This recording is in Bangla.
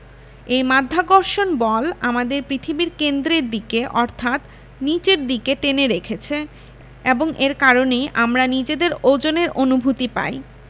এই মাধ্যাকর্ষণ বল আমাদের পৃথিবীর কেন্দ্রের দিকে অর্থাৎ নিচের দিকে টেনে রেখেছে এবং এর কারণেই আমরা নিজেদের ওজনের অনুভূতি পাই